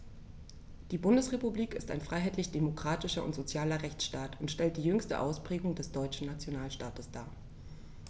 Die Bundesrepublik ist ein freiheitlich-demokratischer und sozialer Rechtsstaat und stellt die jüngste Ausprägung des deutschen Nationalstaates dar.